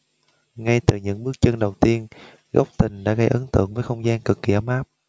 ngay từ những bước chân đầu tiên góc tình đã gây ấn tượng với không gian cực kì ấm áp